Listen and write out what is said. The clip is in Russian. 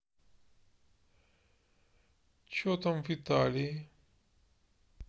че там в италии